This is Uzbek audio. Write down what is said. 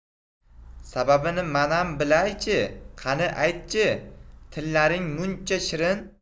sababini manam bilay chi qani ayt chi tillaring muncha shirin